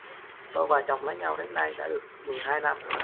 tôi và chồng lấy nhau đến nay đã được mười hai năm